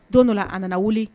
Don dɔ a nana wuli